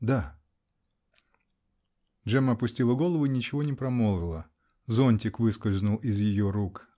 -- Да. Джемма опустила голову и ничего не промолвила. Зонтик выскользнул из ее рук.